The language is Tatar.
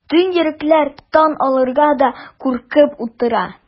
Туң йөрәклеләр тын алырга да куркып утыра.